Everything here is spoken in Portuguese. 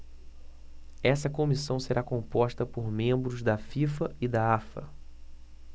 essa comissão será composta por membros da fifa e da afa